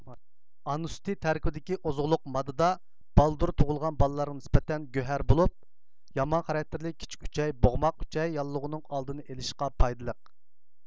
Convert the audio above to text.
ئانا سۈتى تەركىبىدىكى ئوزۇقلۇق ماددىدا بالدۇر تۇغۇلغان بالىلارغا نىسبەتەن گۆھەر بولۇپ يامان خاراكتېرلىك كىچىك ئۈچەي بوغماق ئۈچەي ياللۇغىنىڭ ئالدىنى ئېلىشقا پايدىلىق